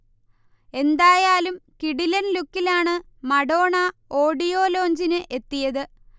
എന്തായാലും കിടിലൻ ലുക്കിലാണ് മഡോണ ഓഡിയോ ലോഞ്ചിന് എത്തിയത്